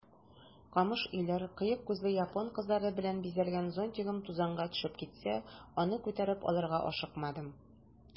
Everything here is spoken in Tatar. Камыш өйләр, кыек күзле япон кызлары белән бизәлгән зонтигым тузанга төшеп китсә, аны күтәреп алырга ашыкмадым.